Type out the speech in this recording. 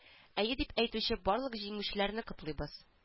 Әйе дип әйтүче барлык җиңүчеләрне котлыйбыз